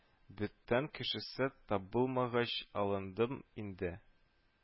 Бүтән кешесе табылмагач алындым инде